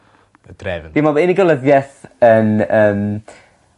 y drefn. Dwi me'wl bo' unigolyddieth yn yym